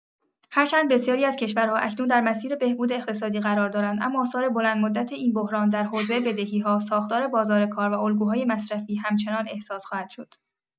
هرچند بسیاری از کشورها اکنون در مسیر بهبود اقتصادی قرار دارند، اما آثار بلندمدت این بحران در حوزه بدهی‌ها، ساختار بازار کار و الگوهای مصرفی همچنان احساس خواهد شد.